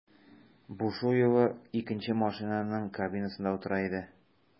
Бушуева икенче машинаның кабинасында утыра иде.